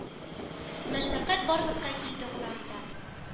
Мәшәкать барлыкка килде урамда: